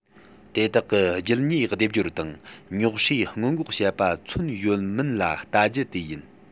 དེ དག གི རྒྱུད གཉིས སྡེབ སྦྱོར དང ཉོག བསྲེ སྔོན འགོག བྱེད པ མཚོན ཡོད མིན ལ བལྟ རྒྱུ དེ ཡིན